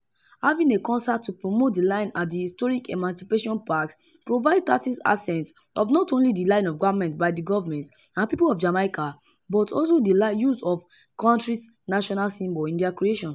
Having a concert to promote the line at the historic Emancipation Park provides tacit assent of not only the line of garments by the government and people of Jamaica, but also of the use of the country’s national symbols in their creation.